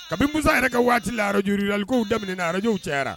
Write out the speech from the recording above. Kabi musa yɛrɛ ka waati arajo lalik daminɛ arajo cayayara